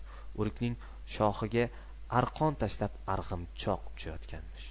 o'rikning shoxiga arqon tashlab arg'imchoq uchayotganmish